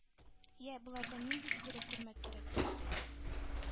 Йә, болардан нинди игелек күрмәк кирәк?!